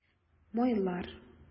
Майлар